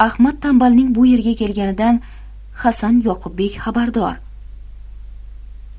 ahmad tanbalning bu yerga kelganidan hasan yoqubbek xabardor